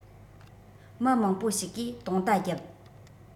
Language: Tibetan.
མི མང པོ ཞིག གིས དུང བརྡ བརྒྱབ